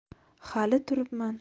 hali turibman